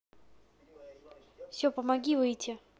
все помоги выйти